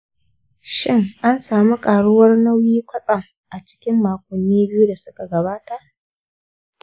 shin, an sami ƙaruwar nauyi kwatsam a cikin makonni biyu da suka gabata?